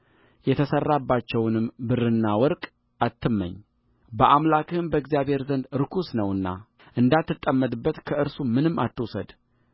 የተሠራባቸውን ብርና ወርቅ አትመኝ በአምላክህም በእግዚአብሔር ዘንድ ርኩስ ነውና እንዳትጠመድበት ከእርሱ ምንም አትውሰድ